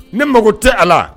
Ne mago tɛ a la